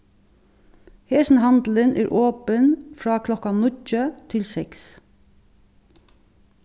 hesin handilin er opin frá klokkan níggju til seks